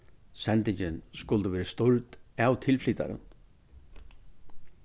sendingin skuldi verið stýrd av tilflytarum